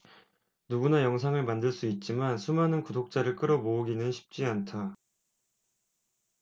누구나 영상을 만들 수 있지만 수많은 구독자를 끌어 모으기는 쉽지 않다